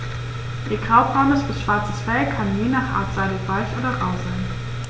Ihr graubraunes bis schwarzes Fell kann je nach Art seidig-weich oder rau sein.